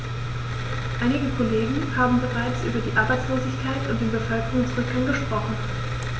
Einige Kollegen haben bereits über die Arbeitslosigkeit und den Bevölkerungsrückgang gesprochen.